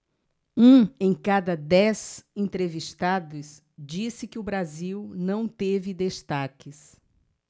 um em cada dez entrevistados disse que o brasil não teve destaques